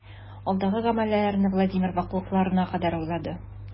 Алдагы гамәлләрне Владимир ваклыкларына кадәр уйлады.